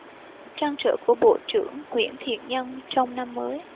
trăn trở của bộ trưởng nguyễn thiện nhân trong năm mới